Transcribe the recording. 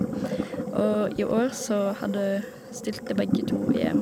Og i år så hadde stilte begge to i EM.